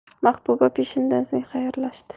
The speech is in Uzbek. mahbuba peshindan so'ng xayrlashdi